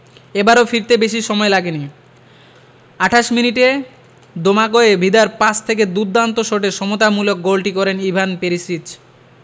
এবারও ফিরতে বেশি সময় লাগেনি ২৮ মিনিটে দোমাগয় ভিদার পাস থেকে দুর্দান্ত শটে সমতামুলক গোলটি করেন ইভান পেরিসিচ